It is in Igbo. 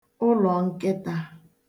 ụlọ̀ nkịtā